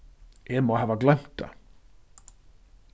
eg má hava gloymt tað